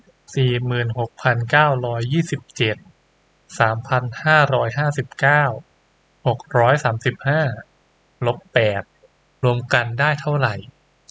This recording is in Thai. สี่หมื่นหกพันเก้าร้อยยี่สิบเจ็ดสามพันห้าร้อยห้าสิบเก้าหกร้อยสามสิบห้าลบแปดรวมกันได้เท่าไหร่